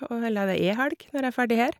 og eller Ja, det er helg, når jeg er ferdig her.